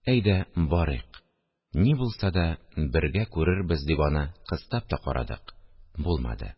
Әйдә, барыйк, ни булса да бергә күрербез, – дип, аны кыстап та карадык – булмады